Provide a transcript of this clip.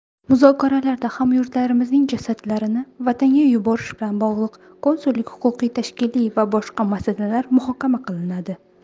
muzokaralarda hamyurtlarimizning jasadlarini vatanga yuborish bilan bog'liq konsullik huquqiy tashkiliy va boshqa masalalar muhokama qilinadi